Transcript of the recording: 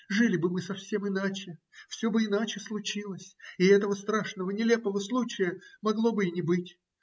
жили бы мы совсем иначе, все бы иначе случилось, и этого страшного, нелепого случая могло бы и не быть.